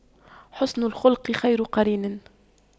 حُسْنُ الخلق خير قرين